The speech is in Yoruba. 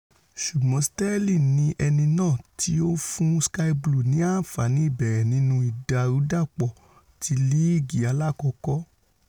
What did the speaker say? Ṣùgbọ́n Sterling ni ẹni náà tí ó fún Sky Blues ní àǹfààní ìbẹ̀rẹ̀ nínú ìdàrúdàpọ̀ ti Líìgì Aláàkọ́kọ́.